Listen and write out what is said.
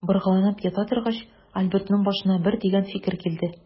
Боргаланып ята торгач, Альбертның башына бер дигән фикер килде.